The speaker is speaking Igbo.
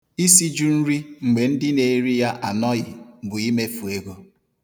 Isiju nri mgbe ndị na-eri ya anọghị bụ imefu ego.